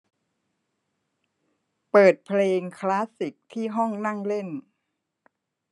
เปิดเพลงคลาสสิกที่ห้องนั่งเล่น